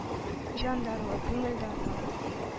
Җан даруы, күңел даруы.